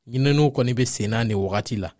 ɲininiw kɔni bɛ sen na nin wagati la